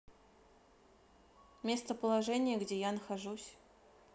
местоположение где я нахожусь